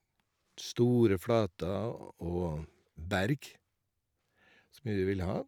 Store flater og berg så mye du vil ha.